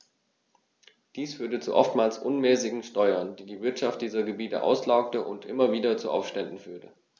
Dies führte zu oftmals unmäßigen Steuern, die die Wirtschaft dieser Gebiete auslaugte und immer wieder zu Aufständen führte.